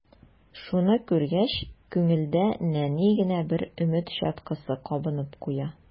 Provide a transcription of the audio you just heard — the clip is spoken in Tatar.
Шуны күргәч, күңелдә нәни генә бер өмет чаткысы кабынып куя.